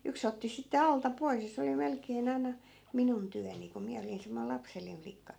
yksi otti sitten alta pois ja se oli melkein aina minun työni kun minä olin semmoinen lapsellinen flikka